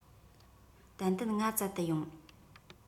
ཏན ཏན ང བཙལ དུ ཡོང